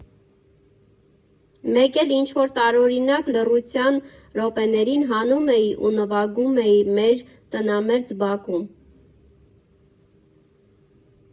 Մեկ էլ ինչ֊որ տարօրինակ լռության րոպեներին հանում էի ու նվագում էի մեր տնամերձ բակում.